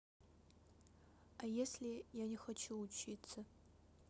а если я не хочу учиться